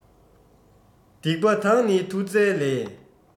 སྡིག པ དང ནི མཐུ རྩལ ལས